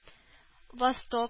Восток